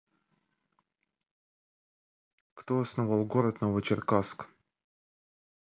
кто основал город новочеркасск